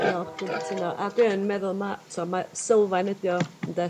Diolch dwi'n cytuno a dwi yn meddwl ma' t'o' ma' sylfaen ydi o ynde...